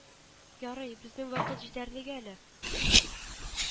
Ярый, безнең вакыт җитәрлек әле